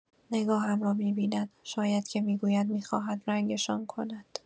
نگاهم را می‌بیند شاید که می‌گوید می‌خواهد رنگ‌شان کند.